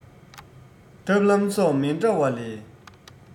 ཐབས ལམ སོགས མི འདྲ བ ལས